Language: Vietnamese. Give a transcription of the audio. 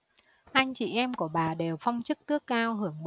anh chị em của bà đều phong chức tước cao hưởng